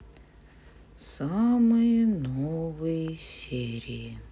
самые новые серии